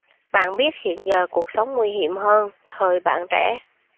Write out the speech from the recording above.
bạn biết hiện giờ cuộc sống nguy hiểm hơn thời bạn trẻ